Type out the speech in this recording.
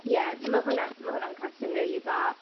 Ie, ma' hwnna ma' hwnna'n cwestiwn rili dda.